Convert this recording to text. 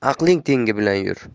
aqling tengi bilan yur